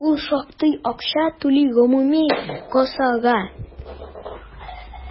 Ул шактый акча түли гомуми кассага.